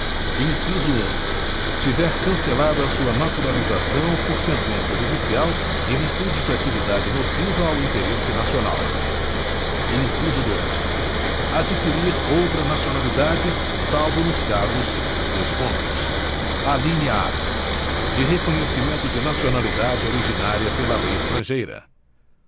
inciso um tiver cancelada sua naturalização por sentença judicial em virtude de atividade nociva ao interesse nacional inciso dois adquirir outra nacionalidade salvo nos casos dois pontos alínea a de reconhecimento de nacionalidade originária pela lei estrangeira